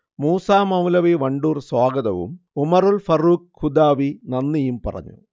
മൂസമൗലവി വണ്ടൂർ സ്വാഗതവും ഉമറുൽ ഫാറൂഖ്ഹുദാവി നന്ദിയും പറഞ്ഞു